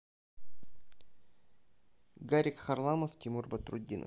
гарик харламов тимур батрутдинов